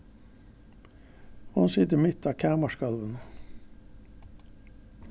hon situr mitt á kamarsgólvinum